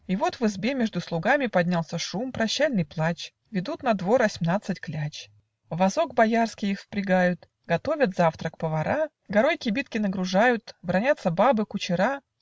И вот в избе между слугами Поднялся шум, прощальный плач: Ведут на двор осьмнадцать кляч, В возок боярский их впрягают, Готовят завтрак повара, Горой кибитки нагружают, Бранятся бабы, кучера.